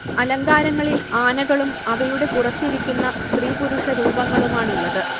അലങ്കാരങ്ങളിൽ ആനകളും അവയുടെ പുറത്തിരിക്കുന്ന സ്ത്രീപുരുഷ രൂപങ്ങളുമാണുള്ളത്